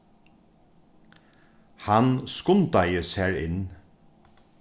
hann skundaði sær inn